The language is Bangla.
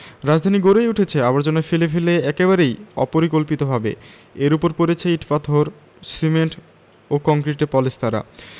রাজধানী গড়েই উঠেছে আবর্জনা ফেলে ফেলে একেবারেই অপরিকল্পিতভাবে এর ওপর পড়েছে ইট পাথর সিমেন্ট ও কংক্রিটের পলেস্তারা